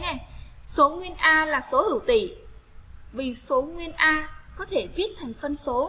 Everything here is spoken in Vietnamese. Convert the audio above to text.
số nguyên a là số hữu tỉ bi số nguyên a có thể viết thành phân số